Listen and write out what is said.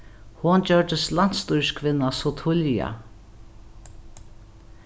hon gjørdist landsstýriskvinna so tíðliga